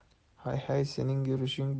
hay hay sening yurishing